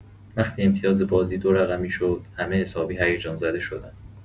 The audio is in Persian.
وقتی امتیاز بازی دورقمی شد، همه حسابی هیجان‌زده شدن!